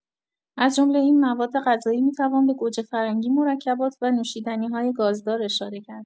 از جمله این موادغذایی می‌توان به گوجه‌فرنگی، مرکبات و نوشیدنی‌های گازدار اشاره کرد.